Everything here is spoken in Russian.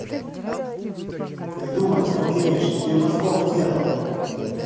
ты думать не умеешь тебе мозгов нету